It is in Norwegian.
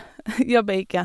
Jobber ikke.